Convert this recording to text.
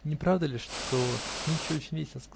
-- Не правда ли, что нынче очень весело?